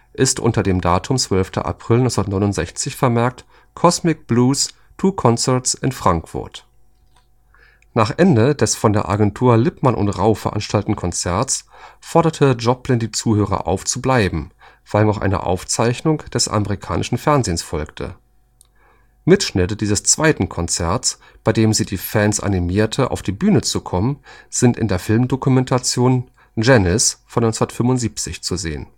ist unter dem Datum 12. April 1969 vermerkt: „ Kozmic Blues: two concerts in Frankfurt “. Nach Ende des von der Agentur Lippmann & Rau veranstalteten Konzerts forderte Joplin die Zuhörer auf, zu bleiben, weil nun noch eine Aufzeichnung des amerikanischen Fernsehens folgte. Mitschnitte dieses „ zweiten Konzerts “, bei dem sie die Fans animierte, auf die Bühne zu kommen, sind in der Filmdokumentation Janis (1975) zu sehen